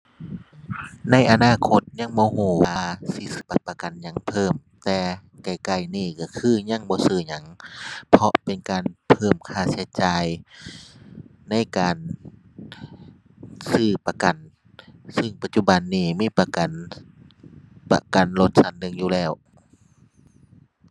ในอนาคตยังบ่รู้ว่าสิซื้อประกันหยังเพิ่ม แต่ใกล้ใกล้นี้รู้คือยังบ่ซื้อหยัง เพราะเป็นการเพิ่มค่ารู้จ่ายในการซื้อประกัน ซึ่งปัจจุบันนี้มีประกัน ประกันรถซั้นหนึ่งอยู่แล้ว